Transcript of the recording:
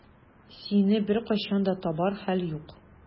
Сине беркайчан да табар хәл юк.